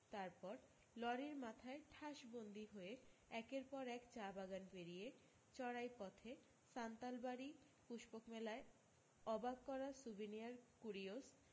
তারপর লরির মাথায় ঠাসবন্দি হয়ে একের পর এক চা বাগান পেরিয়ে চড়াই পথে সান্তালবাড়ি পুষ্পক মেলায় অবাক করা স্যুভেনীয়ার কুরিওস